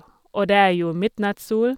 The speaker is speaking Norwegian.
Og det er jo midnattssol.